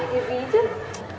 cái ví chứ